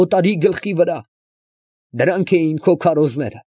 Օտարի գլխի վրա…»։ Դրանք էին քո քարոզները։